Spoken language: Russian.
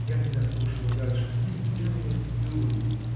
Я не дослушала дальше, мне сделалось дурно.